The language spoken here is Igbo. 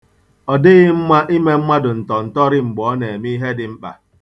Ọ dịghị mma ime mmadụ ntọntọrị mgbe ọ na-eme ihe dị mkpa.